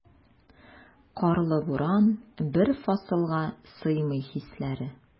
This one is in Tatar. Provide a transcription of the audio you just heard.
Карлы буран, бер фасылга сыймый хисләре.